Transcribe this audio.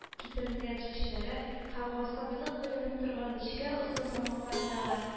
Китәрелгән чәчләре һәм гасабилык беленеп торган нечкә озын бармакларындагы